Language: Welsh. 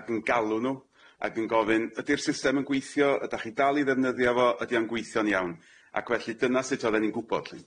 ag yn galw nw ag yn gofyn ydi'r system yn gweithio ydach chi dal i ddefnyddio fo ydi o'n gweithio'n iawn ac felly dyna sut oddan ni'n gwbod lly.